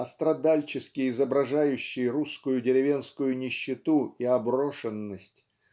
а страдальчески изображающий русскую деревенскую нищету и оброшенность